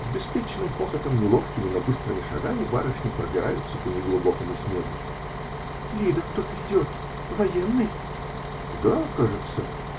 С беспечным хохотом, неловкими, но быстрыми шагами барышни пробираются по неглубокому снегу. -- Лида, кто-то идет. Военный? -- Да, кажется.